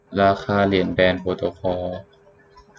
ราคาเหรียญแบรนด์โปรโตคอล